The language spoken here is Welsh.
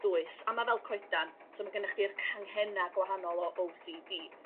dwys a ma' fel coedan so ma' gynych di'r canghenna' gwahanol o ow si di.